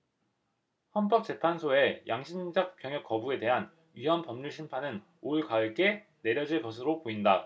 헌법재판소의 양심적 병역거부에 대한 위헌 법률심판은 올가을께 내려질 것으로 보인다